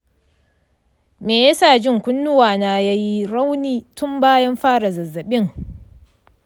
me ya sa jin kunnuwana ya yi rauni tun bayan fara zazzabin?